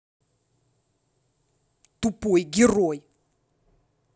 тупой герой